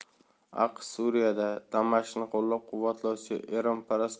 aqsh suriyada damashqni qo'llab quvvatlovchi eronparast